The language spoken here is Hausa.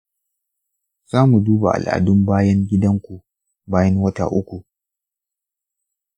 zamu duba al'adun bayan gidan ku bayan wata uku.